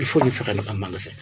il foog ñu fexe ñu am magasin